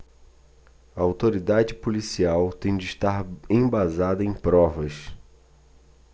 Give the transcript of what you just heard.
a autoridade policial tem de estar embasada em provas